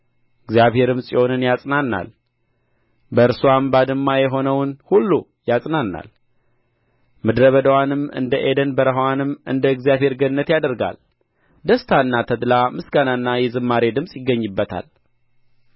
እግዚአብሔርም ጽዮንን ያጽናናል በእርስዋም ባድማ የሆነውን ሁሉ ያጽናናል ምድረ በዳዋንም እንደ ዔደን በረሀዋንም እንደ እግዚአብሔር ገነት ያደርጋል ደስታና ተድላ ምስጋናና የዝማሬ ድምፅ ይገኝበታል